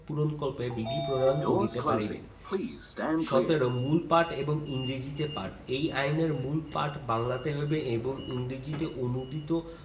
পূরণকল্পে বিধি প্রণয়ন করিতে পারিবে ১৭ মূল পাঠ এবং ইংরেজীতে পাঠঃ এই আইনের মূল পাঠ বাংলাতে হইবে এবং ইংরেজীতে অনূদিত